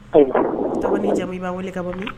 Ɔ tɔgɔ ni jamu i b'a wele ka bɔ